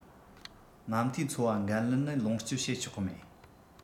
མ མཐའི འཚོ བ འགན ལེན ནི ལོངས སྤྱོད བྱེད ཆོག གི མེད